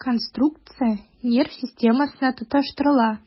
Конструкция нерв системасына тоташтырыла.